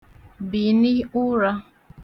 bìni ụrā